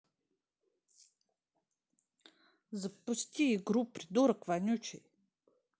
запусти игру придурок вонючий